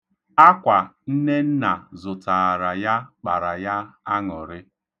Akwa Nnenna zụtaara ya kpara ya aṅụrị.